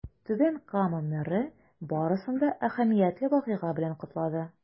Түбән Кама мэры барысын да әһәмиятле вакыйга белән котлады.